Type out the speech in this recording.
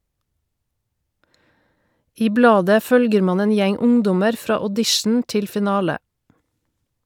I bladet følger man en gjeng ungdommer fra audition til finale.